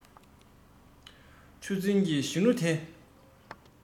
ཆུ འཛིན གྱི གཞོན ནུ དེ